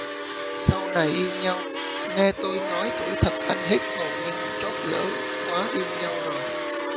sau này yêu nhau nghe tôi nói tuổi thật anh hết hồn nhưng trót lỡ quá yêu nhau rồi